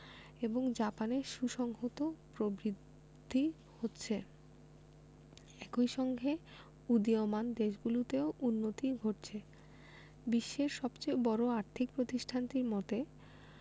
এবং জাপানের সুসংহত প্রবৃদ্ধি হচ্ছে একই সঙ্গে উদীয়মান দেশগুলোতেও উন্নতি ঘটছে বিশ্বের সবচেয়ে বড় আর্থিক প্রতিষ্ঠানটির মতে